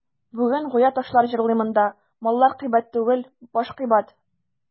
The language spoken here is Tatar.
Бүген гүя ташлар җырлый монда: «Маллар кыйбат түгел, баш кыйбат».